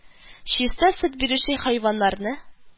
Чиста сөт бирүче хайваннарны